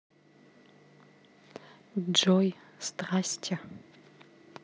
джой здрасьте